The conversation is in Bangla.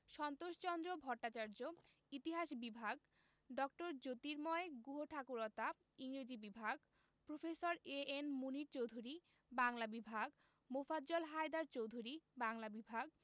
সন্তোষচন্দ্র ভট্টাচার্য ইতিহাস বিভাগ ড. জ্যোতির্ময় গুহঠাকুরতা ইংরেজি বিভাগ প্রফেসর এ.এন মুনীর চৌধুরী বাংলা বিভাগ মোফাজ্জল হায়দার চৌধুরী বাংলা বিভাগ